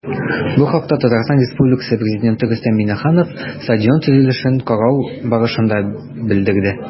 Бу хакта ТР Пррезиденты Рөстәм Миңнеханов стадион төзелешен карау барышында белдерде.